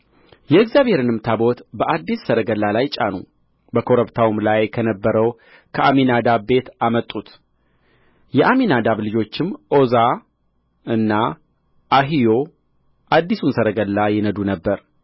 የእግዚአብሔርንም ታቦት በአዲስ ሰረገላ ላይ ጫኑ በኮረብታውም ላይ ከነበረው ከአሚናዳብ ቤት አመጡት የአሚናዳብ ልጆችም ዖዛ እና አሒዮ አዲሱን ሰረገላ ይነዱ ነበር